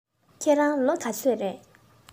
ཁྱེད རང ལོ ག ཚོད རེད